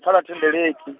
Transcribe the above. kha lwa thendeleki .